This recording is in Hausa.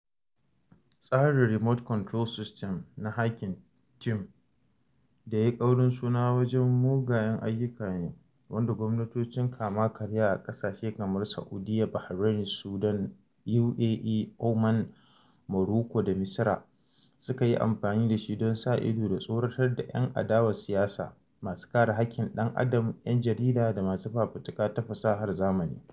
Tsarin “Remote Control System” na Hacking Team da yayi ƙaurin suna wajen mugayen ayyuka ne, wanda gwamnatocin kama karya a ƙasashe kamar Saudiyya, Bahrain, Sudan, UAE, Oman, Morocco da Misira suka yi amfani da shi don sa ido da tsoratar da 'yan adawar siyasa, masu kare haƙƙin ɗan adam, ‘yan jarida, da masu fafutuka ta fasahar zamani.